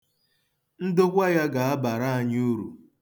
Ndokwa ya ga-abara anyị uru.